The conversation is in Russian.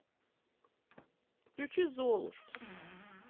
включи золушку